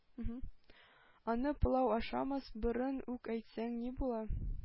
Аны пылау ашамас борын ук әйтсәң ни була!